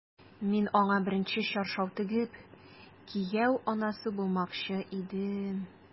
Мин аңа беренче чаршау тегеп, кияү анасы булмакчы идем...